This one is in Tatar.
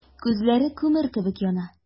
Күзләре күмер кебек яна.